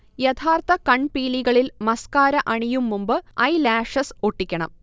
യഥാർത്ഥ കൺപീലികളിൽ മസ്കാര അണിയും മുമ്പ് ഐലാഷസ് ഒട്ടിക്കണം